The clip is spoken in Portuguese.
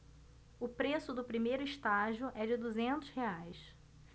o preço do primeiro estágio é de duzentos reais